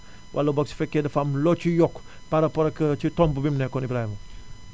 wala boog su fekkee dafa am loo ciy yokk par rapport ak ci tomb bi mu nekkoon Ibrahima